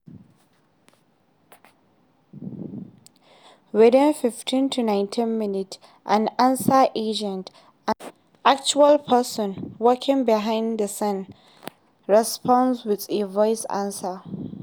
Within 15 to 90 minutes, an “answer agent” (an actual person working behind the scenes) responds with a voice answer.